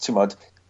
t'mod